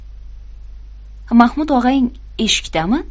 mahmud og'ang eshikdami